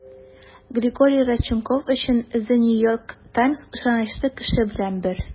Григорий Родченков өчен The New York Times ышанычлы кеше белән бер.